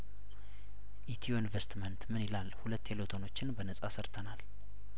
ኢትዮ ኢንቨስትመንትምን ይላል ሁለት ቴሌቶ ኖችን በነጻ ሰርተናል